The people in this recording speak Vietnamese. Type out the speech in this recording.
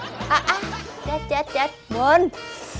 à a chết chết chết quên